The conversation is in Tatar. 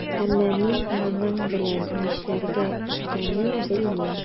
Әмма мин моның белән нишләргә икәнен белмим.